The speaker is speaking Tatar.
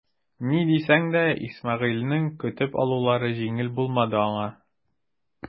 Ни дисәң дә Исмәгыйлен көтеп алулары җиңел булмады аңа.